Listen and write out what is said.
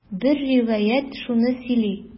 Бер риваять шуны сөйли.